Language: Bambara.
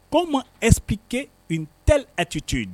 Ko maspke n tɛ a tɛ to ye